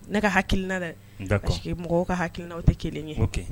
Ne ka hakiina dɛ mɔgɔw ka hakiina o tɛ kelen ye hakɛ kɛ